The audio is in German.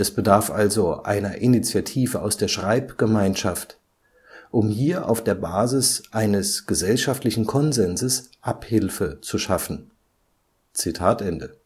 bedarf also einer Initiative aus der Schreibgemeinschaft …, um hier auf der Basis eines gesellschaftlichen Konsens [es] Abhilfe zu schaffen. “– Kerstin Güthert